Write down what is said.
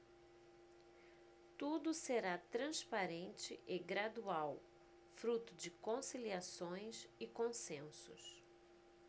tudo será transparente e gradual fruto de conciliações e consensos